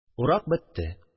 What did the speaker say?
Урак бетте